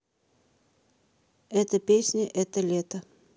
это песня это лето